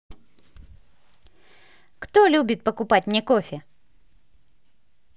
кто любит покупать мне кофе